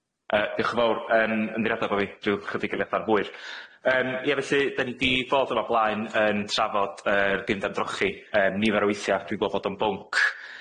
Yy diolch yn fowr. Yym ymddiheuriada bo' fi rhyw chydig o eiliada'n hwyr. Yym ie felly 'dan ni 'di bod yma blaen yn trafod yr gyfundrefn drochi yym nifer o weithia'. Dwi'n gweld fod o'n bwnc